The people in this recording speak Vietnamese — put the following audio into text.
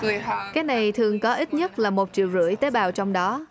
cái này thường có ít nhất là một triệu rưỡi tế bào trong đó